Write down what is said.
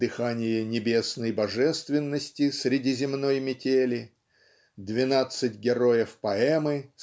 дыхание небесной божественности среди земной метели. Двенадцать героев поэмы